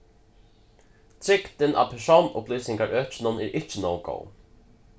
trygdin á persónsupplýsingarøkinum er ikki nóg góð